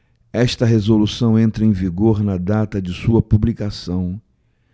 esta resolução entra em vigor na data de sua publicação